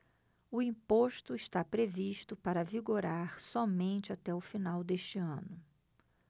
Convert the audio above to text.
o imposto está previsto para vigorar somente até o final deste ano